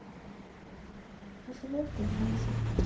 звезды в лужах